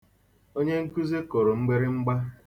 Onye nkụzị kụrụ mgbịrịmgba.